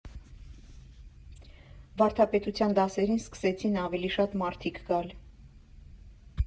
Վարպետության դասերին սկսեցին ավելի շատ մարդիկ գալ։